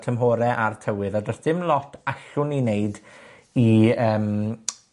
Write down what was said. tymhore a'r tywydd a do's dim lot allwn ni neud i yym,